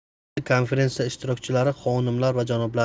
hurmatli konferensiya ishtirokchilari xonimlar va janoblar